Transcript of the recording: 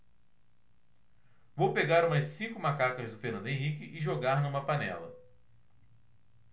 vou pegar umas cinco macacas do fernando henrique e jogar numa panela